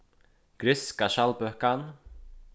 grikska skjaldbøkan